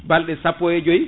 balɗe sappo e joyyi